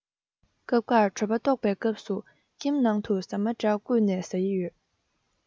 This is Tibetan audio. སྐབས འགར གྲོད པ ལྟོགས པའི སྐབས སུ ཁྱིམ ནང དུ ཟ མ འདྲ བརྐུས ནས ཟ ཡི ཡོད